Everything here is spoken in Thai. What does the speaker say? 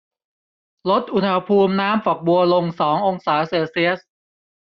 ลดอุณหภูมิน้ำฝักบัวลงสององศาเซลเซียส